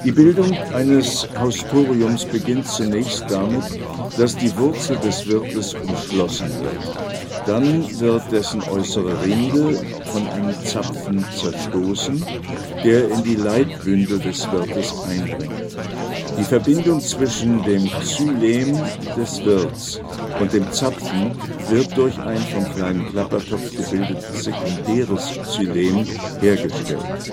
Bildung eines Haustoriums beginnt zunächst damit, dass die Wurzel des Wirtes umschlossen wird. Dann wird dessen äußere Rinde von einem Zapfen zerstoßen, der in die Leitbündel des Wirtes eindringt. Die Verbindung zwischen dem Xylem des Wirts und dem Zapfen wird durch ein vom kleinen Klappertopf gebildetes sekundäres Xylem hergestellt